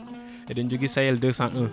eɗen joogui Sayel201